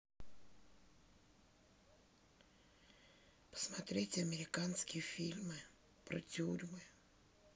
посмотреть американские фильмы про тюрьмы